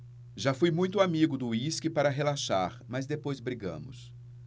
já fui muito amigo do uísque para relaxar mas depois brigamos